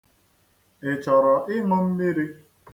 Ị chọrọ ịṅụ mmiri?